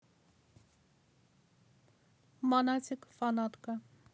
монатик фанатка